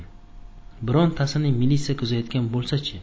birontasini militsiya kuzatayotgan bulsa chi